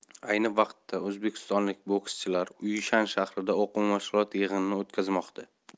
ayni vaqtda o'zbekistonlik bokschilar uishan shahrida o'quv mashg'ulot yig'inini o'tkazmoqda